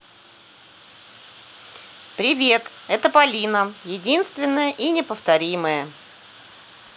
привет это полина единственное и неповторимое